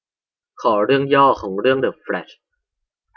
ขอเรื่องย่อของเรื่องเดอะแฟลช